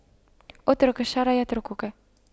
اترك الشر يتركك